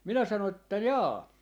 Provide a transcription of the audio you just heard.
minä sanoin että jaa